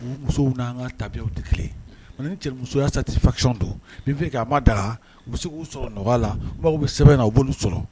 Musow n' ka tabi tɛ kelen cɛmusoyati fa don a ma da k'u sɔrɔ nɔgɔya la bɛ sɛbɛn in bolo sɔrɔ